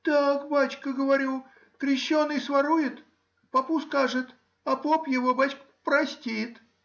— Так, бачка, говорю: крещеный сворует, попу скажет, а поп его, бачка, простит